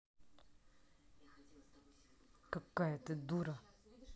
какая ты дура